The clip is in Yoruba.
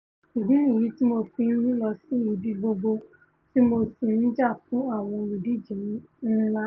Ìdí nìyí tí Mo fi ń lọsí ibi gbogbo tí Mo sì ńjà fún àwọn olùdíje ńlá.''